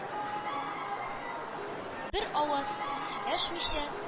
Бер авыз сүз сөйләшмичә,